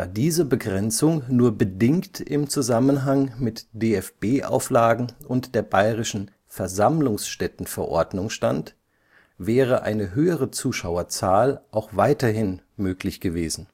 diese Begrenzung nur bedingt im Zusammenhang mit DFB-Auflagen und der bayerischen Versammlungsstättenverordnung stand, wäre eine höhere Zuschauerzahl auch weiterhin möglich gewesen